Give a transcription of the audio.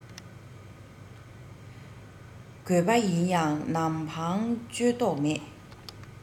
རྒོད པོ ཡིན ཡང ནམ འཕང གཅོད མདོག མེད